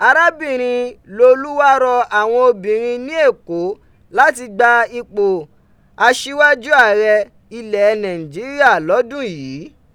Arabinrin Lolú wa rọ awọn obinrin ni Èkó lati gba ipo aṣiwaju aarẹ ilẹ Nàìjíríà lọdun yìí.